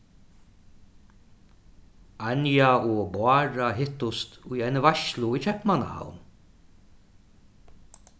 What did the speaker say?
anja og bára hittust í eini veitslu í keypmannahavn